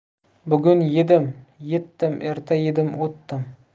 bugun yedim yetdim erta yedim o'tdim